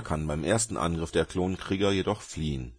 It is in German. kann beim ersten Angriff der Klonkrieger jedoch fliehen.